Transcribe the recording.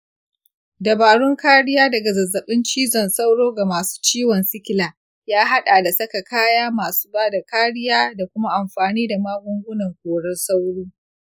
dabarun kariya daga zazzaɓin cizon sauro ga masu ciwon sikila ya haɗa da saka kaya masu bada kariya da kuma amfani da magungunan korar sauro